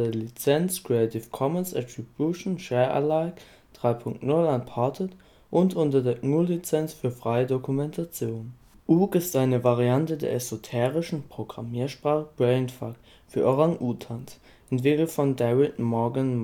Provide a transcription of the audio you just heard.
Lizenz Creative Commons Attribution Share Alike 3 Punkt 0 Unported und unter der GNU Lizenz für freie Dokumentation. Ook! ist eine Variante der esoterischen Programmiersprache Brainfuck für Orang-Utans, entwickelt von David Morgan-Mar